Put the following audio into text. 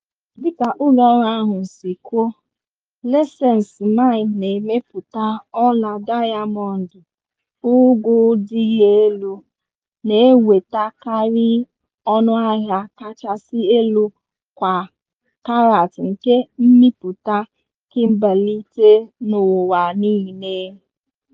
Dịka ụlọọrụ ahụ si kwuo, Letšeng Mine na-emepụta ọla dayamọndụ ogo dị elu, na-enwetakarị ọnụahịa kachasị elu kwa karat nke mmịpụta kimberlite n'ụwa niile.